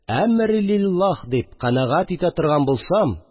Әмериллиллаһ дип канәгать итә торган булсам